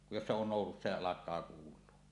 jos se on nousussa ja alkaa kuulua